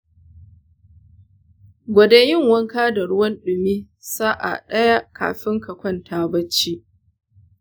gwada yin wanka da ruwan ɗumi sa'a ɗaya kafin ka kwanta barci.